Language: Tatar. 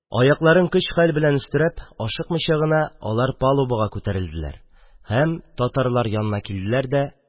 Аякларын көч-хәл белән өстерәп, ашыкмыйча гына, алар палубага күтәрелделәр һәм татарлар янына килделәр дә: